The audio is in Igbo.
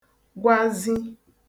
gwazi